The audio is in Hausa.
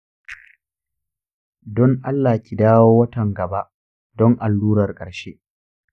don allah ki dawo watan gaba don allurar ƙarshe.